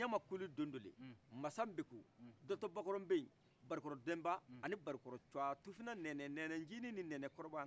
ɲama kulu dondoli masa mbeku dɔtɔbakɔrɔ beyi barikɔrɔ denba ani bari kɔrɔ cua tufiina nɛnɛ nɛnɛ cini ani nɛnɛ kɔrɔba